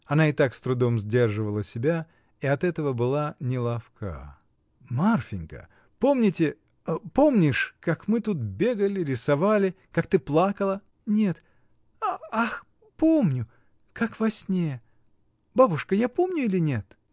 Она и так с трудом сдерживала себя — и от этого была неловка. — Марфинька! помните, помнишь. как мы тут бегали, рисовали. как ты плакала?. — Нет. ах, помню. как во сне. Бабушка, я помню или нет?.